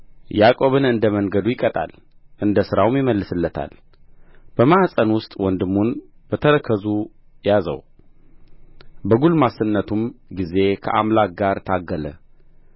ያዕቆብንም እንደ መንገዱ ይቀጣል እንደ ሥራውም ይመልስለታል በማኅፀን ውስጥ ወንድሙን በተረከዙ ያዘው በጕልማስነቱም ጊዜ ከአምላክ ጋር ታገለ